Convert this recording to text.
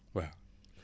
waaw